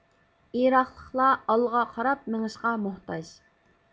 ئىراقلىقلار ئالغا قاراپ مېڭىشقا مۇھتاج